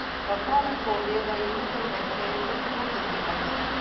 Татарофобия даими дәүләт сәясәте булды, – ди Айсин.